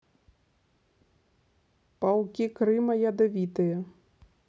пауки крыма ядовитые